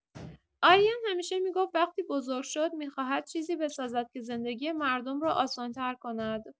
آرین همیشه می‌گفت وقتی بزرگ شد می‌خواهد چیزی بسازد که زندگی مردم را آسان‌تر کند.